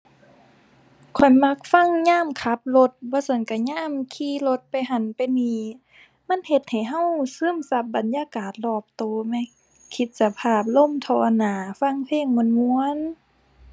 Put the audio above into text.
ข้อยมักฟังยามขับรถ บ่ซั้นก็ยามขี่รถไปหั้นไปนี่ มันเฮ็ดให้ก็ซึมซับบรรยากาศรอบก็แหม คิดสภาพลมถ่อหน้า ฟังเพลงม่วนม่วน